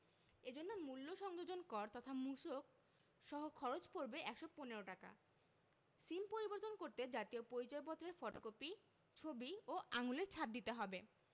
এ জন্য মূল্য সংযোজন কর মূসক সহ খরচ পড়বে ১১৫ টাকা সিম পরিবর্তন করতে জাতীয় পরিচয়পত্রের ফটোকপি ছবি ও আঙুলের ছাপ দিতে হবে